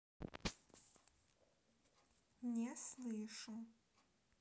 не слышу